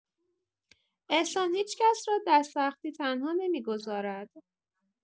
احسان هیچ‌کس را در سختی تنها نمی‌گذارد.